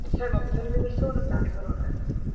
Saimo beth o'n i'n mynd i sôn amdano i fod yn onest?